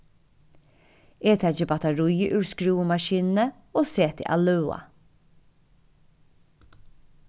eg taki battaríið úr skrúvumaskinuni og seti at løða